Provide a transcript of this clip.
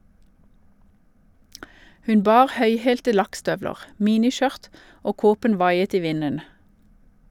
Hun bar høyhælte lakkstøvler, miniskjørt, og kåpen vaiet i vinden.